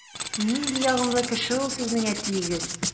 Нинди ягымлы кеше ул сезнең әтиегез!